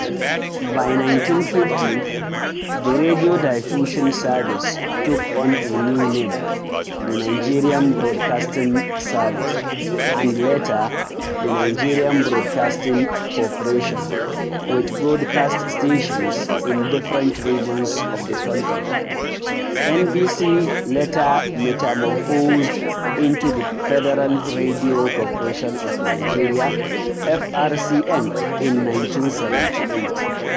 By 1950, the Radio Diffusion Service took on a new name — the Nigerian Broadcasting Service (NBS) — and later, the Nigerian Broadcasting Corporation (NBC), with broadcast stations in the different regions of the country. NBC later metamorphosed into the Federal Radio Corporation of Nigeria (FRCN) in 1978.